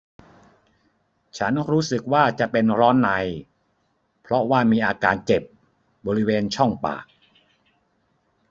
ฉันรู้สึกว่าจะเป็นร้อนในเพราะว่ามีอาการเจ็บบริเวณช่องปาก